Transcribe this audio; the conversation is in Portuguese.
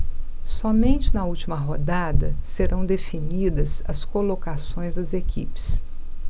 somente na última rodada serão definidas as colocações das equipes